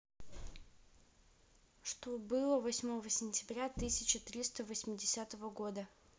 что было восьмого сентября тысяча триста восьмидесятого года